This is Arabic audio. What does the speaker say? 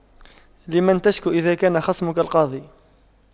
لمن تشكو إذا كان خصمك القاضي